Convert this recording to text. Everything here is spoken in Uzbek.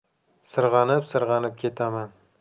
sirg'anib sirg'anib ketaman